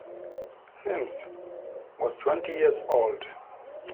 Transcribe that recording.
Sims was 20 years old.